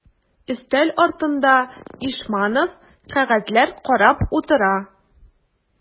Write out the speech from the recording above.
Өстәл артында Ишманов кәгазьләр карап утыра.